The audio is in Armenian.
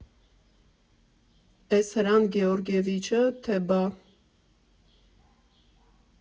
Էս Հրանտ Գեորգիեվիչը, թե բա.